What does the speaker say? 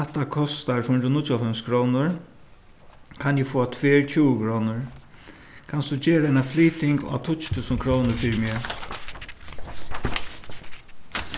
hatta kostar fýra hundrað og níggjuoghálvfems krónur kann eg fáa tvær tjúgukrónur kanst tú gera eina flyting á tíggju túsund krónur fyri meg